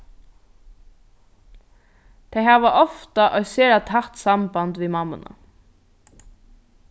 tey hava ofta eitt sera tætt samband við mammuna